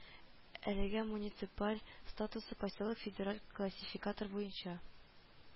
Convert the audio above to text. Әлегә муниципаль статусы поселок федераль классификатор буенча